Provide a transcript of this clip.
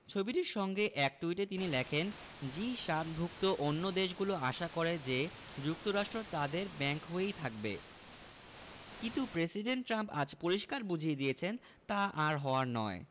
ছবিটির সঙ্গে এক টুইটে তিনি লেখেন জি ৭ ভুক্ত অন্য দেশগুলো আশা করে যে যুক্তরাষ্ট্র তাদের ব্যাংক হয়েই থাকবে কিন্তু প্রেসিডেন্ট ট্রাম্প আজ পরিষ্কার বুঝিয়ে দিয়েছেন তা আর হওয়ার নয়